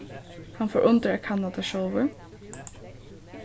hann fór undir at kanna tað sjálvur